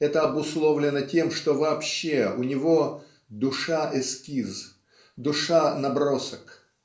Это обусловлено тем, что вообще у него - душа-эскиз, душа-набросок